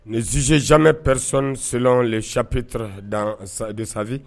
Ni zze janme pɛressi selen de sapte dan desabi